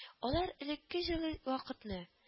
Алар элекке җылы вакытны